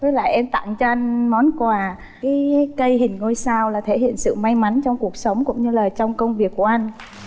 với lại em tặng cho anh món quà cái cây hình ngôi sao là thể hiện sự may mắn trong cuộc sống cũng như là trong công việc của anh